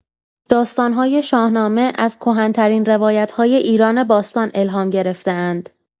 داستان‌های شاهنامه از کهن‌ترین روایت‌های ایران باستان الهام گرفته‌اند.